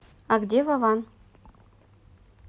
а где вован